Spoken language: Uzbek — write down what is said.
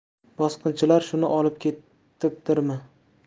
bosqinchilar shuni olib ketibdirmi